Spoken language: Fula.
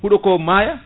huuɗoko maaya